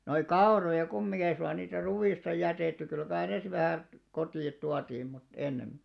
noita kauroja kumminkin ei suinkaan niitä ruista jätetty kyllä kai ne vähän kotiin tuotiin mutta ennemmin